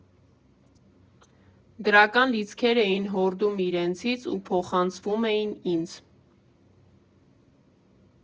Դրական լիցքեր էին հորդում իրենցից ու փոխանցվում էին ինձ։